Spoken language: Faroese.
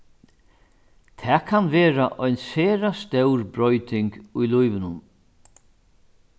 tað kann vera ein sera stór broyting í lívinum